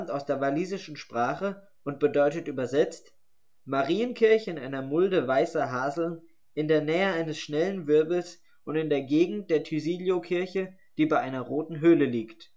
aus der walisischen Sprache und bedeutet übersetzt: Marienkirche in einer Mulde weißer Haseln in der Nähe eines schnellen Wirbels und in der Gegend der Thysiliokirche, die bei einer roten Höhle liegt